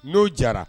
N'o jara